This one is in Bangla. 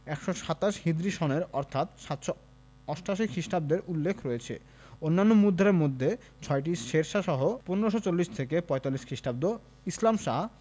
১২৭ হিজরি সনের অর্থাৎ ৭৮৮ খ্রিটাব্দের উল্লেখ রয়েছে অন্যান্য মুদ্রার মধ্যে ছয়টি শেরশাহ এর ১৫৪০ ৪৫ খ্রিটাব্দ ইসলাম শাহ